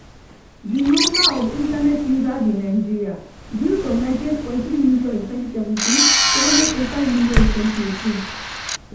The number of internet users in Nigeria grew from 98.3 million in 2017 to 100.5 million in 2018.